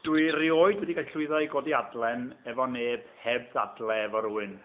Dwi erioed wedi gallu llwyddo i godi adlen efo neb heb ddadlau efo rywun.